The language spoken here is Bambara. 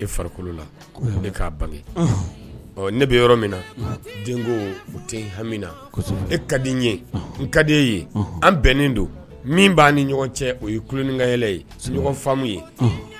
E farikolo la ne k'a bange ne bɛ yɔrɔ min na den u tɛ hami na e ka di ye n kadi ye an bɛnnen don min b'a ni ɲɔgɔn cɛ o ye kuinkan yɛlɛ ye ɲɔgɔn faamu ye